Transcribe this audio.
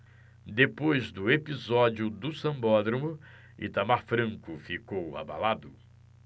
depois do episódio do sambódromo itamar franco ficou abalado